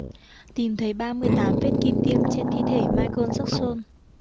tìm thấy ba mươi tám vết kim tiêm trên thi thể michael jackson